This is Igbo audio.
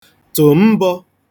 tụ̀ mbọ̄